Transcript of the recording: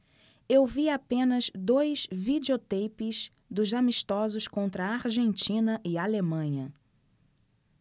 eu vi apenas dois videoteipes dos amistosos contra argentina e alemanha